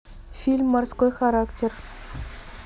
фильм морской характер